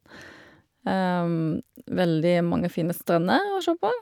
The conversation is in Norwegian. Veldig mange fine strender å se på.